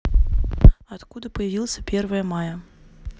откуда появился первое мая